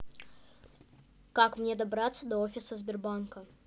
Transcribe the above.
как мне добраться до офиса сбербанка